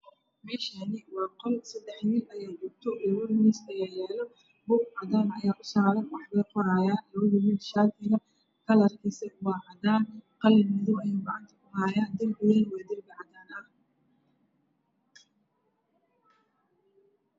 Meeshaan waa qol seddex nin ayaa joogto labo miis ayaa yaalo buug cadaan ah ayaa usaaran wax bay qorahayaan. Shaatiga waa cadaan qalin madow ayuu gacanta ku hayaa. Darbiguna waa cadaan.